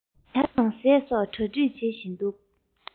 ཇ དང ཟས སོགས གྲ སྒྲིག བྱེད བཞིན འདུག